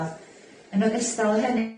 yn ogystal a hynny